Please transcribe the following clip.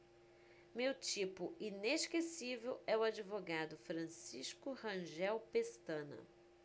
meu tipo inesquecível é o advogado francisco rangel pestana